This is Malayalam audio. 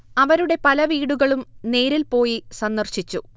അവരുടെ പല വീടുകളും നേരിൽ പോയി സന്ദര്ശിച്ചു